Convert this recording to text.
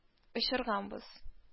Очырганбыз